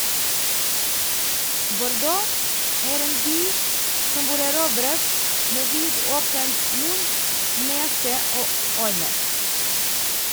Bordeaux er en by som bør erobres med vidåpen munn, nese og øyne.